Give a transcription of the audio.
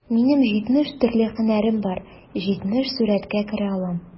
Минем җитмеш төрле һөнәрем бар, җитмеш сурәткә керә алам...